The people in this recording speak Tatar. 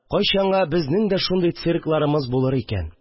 Кайчанга безнең дә шундый циркларымыз булыр икән